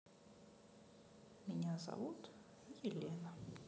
меня зовут елена